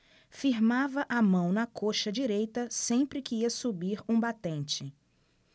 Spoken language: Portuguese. firmava a mão na coxa direita sempre que ia subir um batente